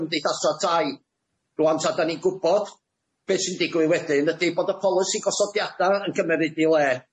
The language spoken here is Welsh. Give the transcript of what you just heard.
cymdeithasa tai rŵan sa' dan ni'n gwbod be' sy'n digwydd wedyn ydi bod y polisi gosodiada yn cymerid ei le.